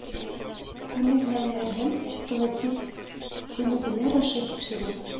Күнекмəлəрен ситуатив күнегүлəр аша тикшерү